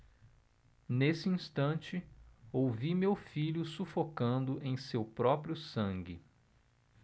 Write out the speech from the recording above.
nesse instante ouvi meu filho sufocando em seu próprio sangue